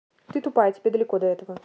ты тупая тебе далеко до этого